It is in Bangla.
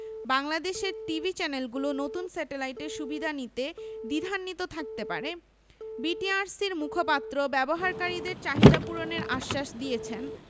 বাংলাদেশের টিভি চ্যানেলগুলো নতুন স্যাটেলাইটের সুবিধা নিতে দ্বিধান্বিত থাকতে পারে বিটিআরসির মুখপাত্র ব্যবহারকারীদের চাহিদা পূরণের আশ্বাস দিয়েছেন